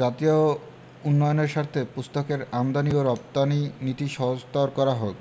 জাতীয় উন্নয়নের স্বার্থে পুস্তকের আমদানী ও রপ্তানী নীতি সহজতর করা হোক